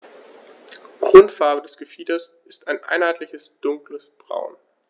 Grundfarbe des Gefieders ist ein einheitliches dunkles Braun.